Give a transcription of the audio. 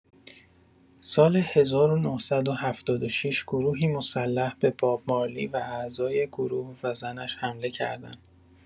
سال ۱۹۷۶ گروهی مسلح به باب مارلی و اعضای گروه و زنش حمله کردن